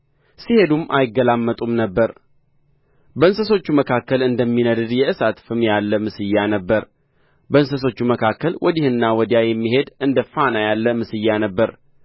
ሲሄዱም አይገላመጡም ነበር በእንስሶቹ መካከል እንደሚነድድ የእሳት ፍም ያለ ምስያ ነበረ በእንስሶች መካከል ወዲህና ወዲያ የሚሄድ እንደ ፋና ያለ ምስያ ነበረ